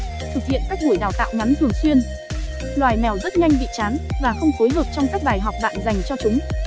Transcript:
thực hiện các buổi đào tạo ngắn thường xuyên loài mèo rất nhanh bị chán và không phối hợp trong các bài học bạn dành cho chúng